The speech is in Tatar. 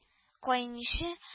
Каенише